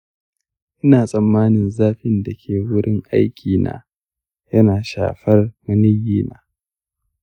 ina tsammanin zafin da ke wurin aikina yana shafar maniyyina.